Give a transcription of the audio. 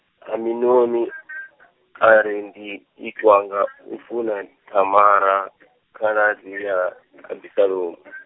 Aminomi , ari ndi itwa nga u funa thamara, khaladzi ya, Abisalomo .